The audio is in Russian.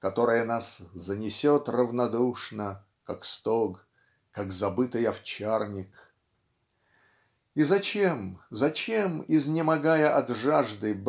которая нас "занесет равнодушно как стог как забытый овчарник". И зачем зачем изнемогая от жажды